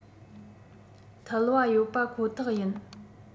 ཐལ བ ཡོད པ ཁོ ཐག ཡིན